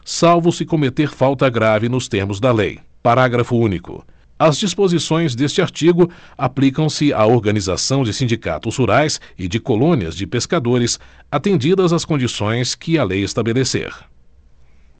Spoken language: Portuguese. salvo se cometer falta grave nos termos da lei parágrafo único as disposições deste artigo aplicam se à organização de sindicatos rurais e de colônias de pescadores atendidas as condições que a lei estabelecer